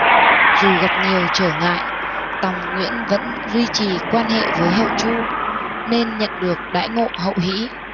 dù gặp nhiều trở ngại tòng nguyễn vẫn duy trì quan hệ với hậu chu nên nhận được đãi ngộ hậu hĩ